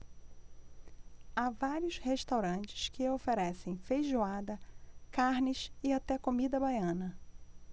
há vários restaurantes que oferecem feijoada carnes e até comida baiana